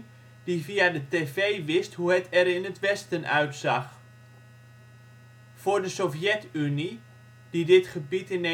via de TV wist hoe het er in het Westen uitzag. Voor de Sovjet-Unie, die dit gebied in